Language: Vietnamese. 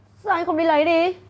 sao anh không đi lấy đi